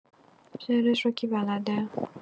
شعرش رو کی بلده؟